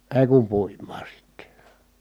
ei kun puimaan sitten